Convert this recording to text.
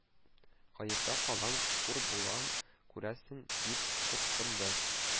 – гаепкә калам, хур булам, күрәсең, – дип куркынды